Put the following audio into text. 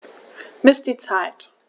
Miss die Zeit.